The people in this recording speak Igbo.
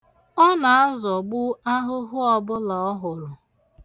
Ọ na-azọgbu ahụhụ ọbụla ọ hụrụ.